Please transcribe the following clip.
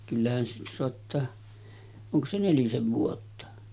kyllähän siitä saattaa onko se nelisen vuotta